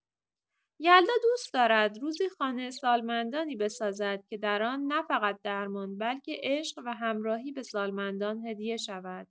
یلدا دوست دارد روزی خانه سالمندانی بسازد که در آن نه‌فقط درمان، بلکه عشق و همراهی به سالمندان هدیه شود.